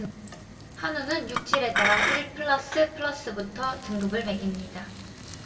한우는 육질에 따라 일 플러스 플러스부터 등급을 매깁니다